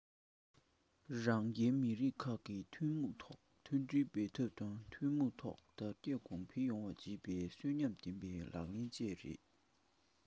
རང རྒྱལ མི རིགས ཁག གིས ཐུན མོང ཐོག མཐུན སྒྲིལ འབད འཐབ དང ཐུན མོང ཐོག དར རྒྱས གོང འཕེལ ཡོང བ བྱེད པའི གསོན ཉམས ལྡན པའི ལག ལེན བཅས རེད